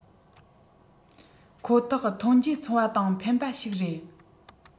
ཁོ ཐག ཐོན འབྱེད ཚོང པ དང ཕན པ ཞིག རེད